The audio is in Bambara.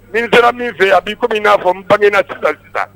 Nin sera min fɛ a b'i kɔmi min n'a fɔ n bangegna sisan sisan